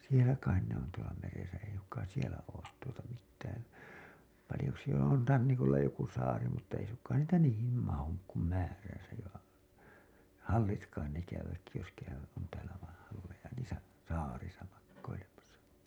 siellä kai ne on tuolla meressä ei suinkaan siellä ole tuota mitään paljon jos siellä on rannikolla joku saari mutta ei suinkaan niitä niihin mahdu kuin määränsä ja hallit kai ne käyvät jos käyvät on täällä vain halleja niissä saarissa makoilemassa